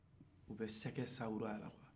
u bɛ sɛgɛ sawura la